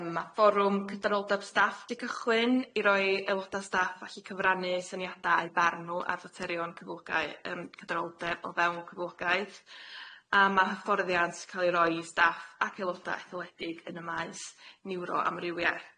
Yym ma' fforwm cydraoldeb staff di cychwyn i roi aeloda staff allu cyfrannu syniada a'u barn nw ar ddaterion cyfwlogau yym cydraoldeb o fewn cyfwlogaeth a ma' hyfforddiant ca'l i roi i staff ac aeloda etholedig yn y maes niwro amrywia.